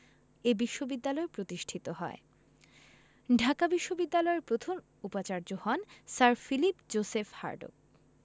এ বিশ্ববিদ্যালয় প্রতিষ্ঠিত হয় ঢাকা বিশ্ববিদ্যালয়ের প্রথম উপাচার্য হন স্যার ফিলিপ জোসেফ হার্টগ